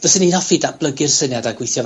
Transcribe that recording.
faswn i'n hoffi datblygu'r syniad a gweithio 'fo...